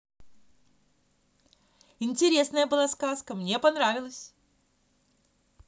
интересная была сказка мне понравилась